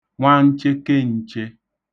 nwancheken̄chē